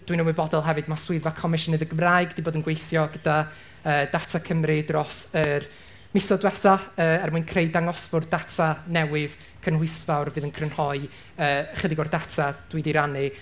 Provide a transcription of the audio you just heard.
Dwi'n ymwybodol hefyd, ma' swyddfa Comisiynydd y Gymraeg 'di bod yn gweithio gyda yy Data Cymru dros yr misoedd diwetha yy er mwyn creu dangosfwrdd data newydd cynhwysfawr fydd yn crynhoi yy chydig o'r data dwi 'di rannu